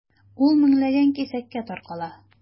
Ул меңләгән кисәккә таркала.